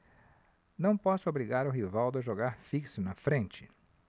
não posso obrigar o rivaldo a jogar fixo na frente